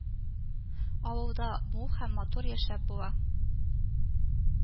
Авылда мул һәм матур яшәп була